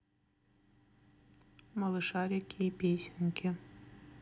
малышарики песенки